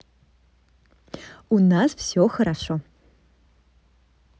у нас все хорошо